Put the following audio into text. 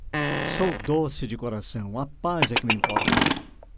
sou doce de coração a paz é que me importa